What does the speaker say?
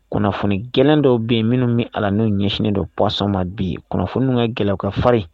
Kunnafoni gɛlɛn dɔw bɛ yen minnu bɛ a n'o ɲɛsinnen dɔ basɔnma bi kunnafoni ka gɛlɛya ka farin